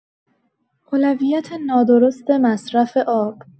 اولویت نادرست مصرف آب